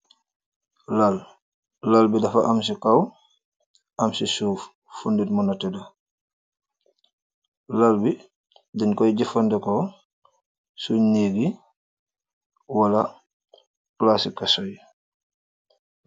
laal laal bi dafa am ci kaw am ci suuf fu nitt mona teda laal bi din koy jefandeko sung neegi wala plaasi kasoyi.